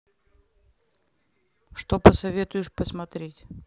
что посоветуешь посмотреть